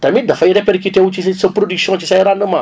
tamit dafay répercuté wu ci s production ci say rendements